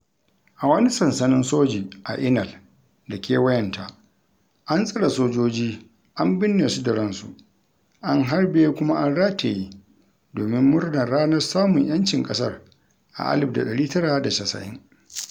A wani sansanin soji a Inal da kewayenta, an tsare sojoji an binne su da ransu, an harbe kuma an rataye domin murnar ranar samun 'yancin ƙasar a 1990.